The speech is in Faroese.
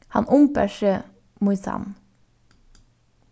hann umbar seg mín sann